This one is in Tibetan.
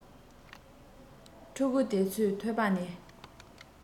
ཕྲུ གུ དེ ཚོའི ཐོད པ ནས